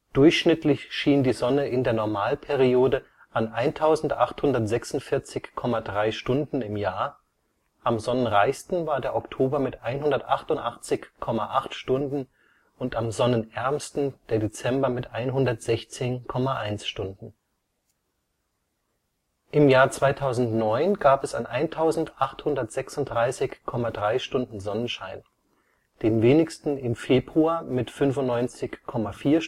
Durchschnittlich schien die Sonne in der Normalperiode an 1846,3 Stunden im Jahr, am sonnenreichsten war der Oktober mit 188,8 Stunden und am sonnenärmsten der Dezember mit 116,1 h. Im Jahr 2009 gab es an 1836,3 h Sonnenschein, den wenigsten im Februar mit 95,4